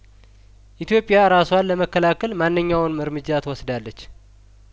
ኢትዮጵያ እራሷን ለመከላከል ማንኛውንም እርምጃት ወስዳለች